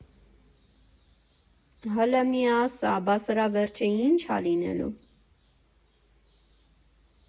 Հըլը մի ասա՝ բա սրա վերջը ի՞նչ ա լինելու։